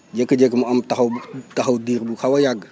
jékki-jékki mu am taxaw bu taxaw diir bu xaw a yàgg